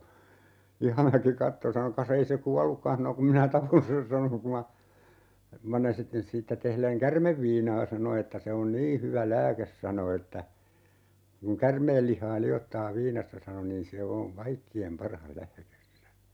Ihamäki katsoi sanoi kas ei se kuollutkaan sanoi kun minä tapoin sen sanoi kun minä siitä tehden käärmeviinaa sano että se on niin hyvä lääke sanoi että kun käärmeen lihaa liottaa viinassa sanoi niin se on kaikkien paras lääke sanoi